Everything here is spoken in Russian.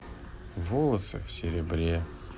волосы в серебре